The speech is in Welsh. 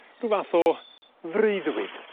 Ryw fath o freuddwyd